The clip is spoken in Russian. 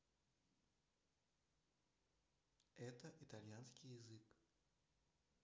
это итальянский язык